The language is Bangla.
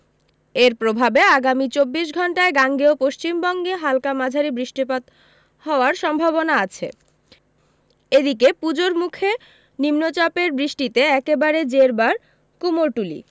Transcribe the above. এর প্রভাবে আগামী চব্বিশ ঘন্টায় গাঙ্গেয় পশ্চিমবঙ্গে হালকা মাঝারি বৃষ্টিপাত হওয়ার সম্ভাবনা আছে এদিকে পূজোর মুখে নিম্নচাপের বৃষ্টিতে একেবারে জেরবার কুমোরটুলি